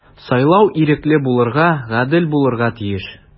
Сайлау ирекле булырга, гадел булырга тиеш.